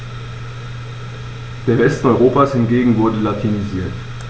Der Westen Europas hingegen wurde latinisiert.